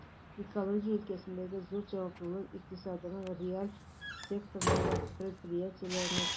Экология өлкәсендәге зур җаваплылык икътисадның реаль секторлары предприятиеләренә төшә.